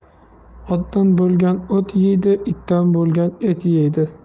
otdan bo'lgan o't yeydi itdan bo'lgan et yeydi